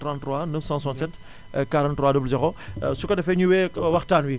33 967 43 00 su ko defee ñu wey ak waxtaan bi